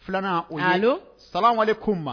Filanan o sanwale ko ma